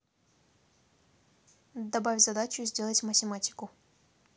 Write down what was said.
добавь задачу сделать математику